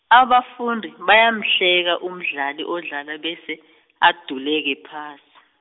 abafundi bayamhleka umdlali odlala bese, aduleke phasi.